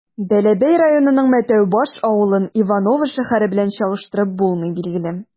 Бәләбәй районының Мәтәүбаш авылын Иваново шәһәре белән чагыштырып булмый, билгеле.